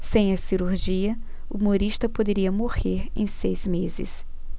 sem a cirurgia humorista poderia morrer em seis meses